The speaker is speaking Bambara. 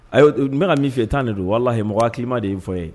Ayi n bɛ ka min fi ye tan de don walahi. Mɔgɔ hakiliman de ye nin fɔ n ye.